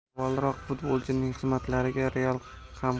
avvalroq futbolchining xizmatlariga real ham